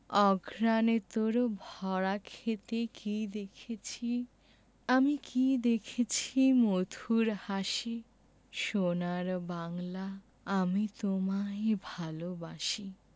অঘ্রানে তোর ভরা ক্ষেতে কী দেখসি আমি কী দেখেছি মধুর হাসি সোনার বাংলা আমি তোমায় ভালোবাসি